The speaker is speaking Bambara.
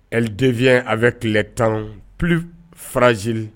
Dyyɛn a bɛ kɛlɛ tan p faraze